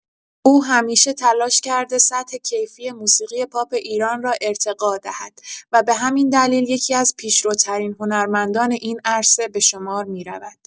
او همیشه تلاش کرده سطح کیفی موسیقی پاپ ایران را ارتقا دهد و به همین دلیل یکی‌از پیشروترین هنرمندان این عرصه به شمار می‌رود.